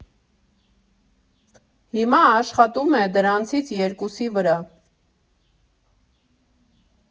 Հիմա աշխատում է դրանցից երկուսի վրա։